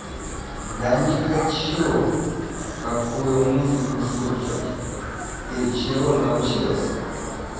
да не хочу какую музыку слушать ты чего научилась